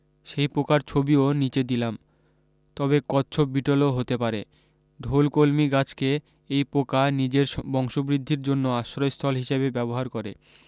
সেই পোকার ছবিও নীচে দিলাম তবে কচ্ছপ বিটলও হতে পারে ঢোল কলমি গাছকে এই পোকা নিজের বংশবৃদ্ধির জন্য আশ্রয়স্থল হিসেবে ব্যবহার করে